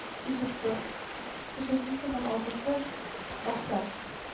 - ишеттек! - өченчесе һәм ахыргысы—акча